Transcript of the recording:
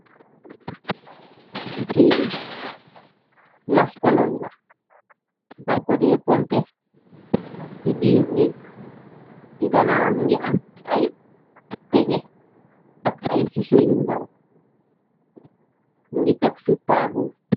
Buteeli laskolong la dangkodee pompe ci biir neeg ci ganawa mu ngi am ay peñye ak ay siso yu ndaw mu ngi tog ci taabul.